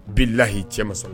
Billaahi cɛ ma sɔn